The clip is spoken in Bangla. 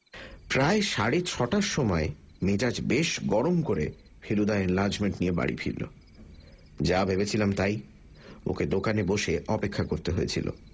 প্রায় সাড়ে ছটার সময় মেজাজ বেশ গরম করে ফেলুদা এনলার্জমেন্ট নিয়ে বাড়ি ফিরল যা ভেবেছিলাম তাই ওকে দোকানে বসে অপেক্ষা করতে হয়েছিল